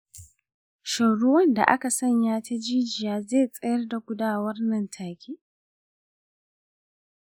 shin ruwan da aka sanya ta jijiya zai tsayar da gudawar nan-take?